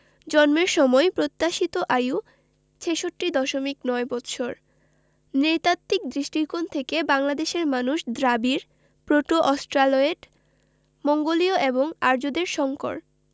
জন্মের সময় প্রত্যাশিত আয়ু ৬৬দশমিক ৯ বৎসর নৃতাত্ত্বিক দৃষ্টিকোণ থেকে বাংলাদেশের মানুষ দ্রাবিড় প্রোটো অস্ট্রালয়েড মঙ্গোলীয় এবং আর্যদের সংকর